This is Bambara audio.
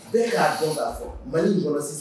Bɛɛ k'a dɔn k'a fɔ Mali kɔlɔsi s